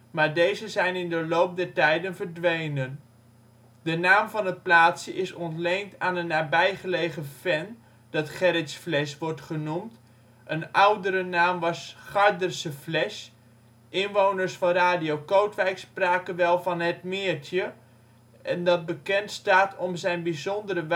maar deze zijn in de loop der tijden verdwenen. De naam van het plaatsje is ontleend aan een nabijgelegen ven dat " Gerritsflesch " wordt genoemd (een oudere naam was " Gardersche Flesch "; inwoners van Radio Kootwijk spraken wel van ' het meertje ') en dat bekend staat om zijn bijzondere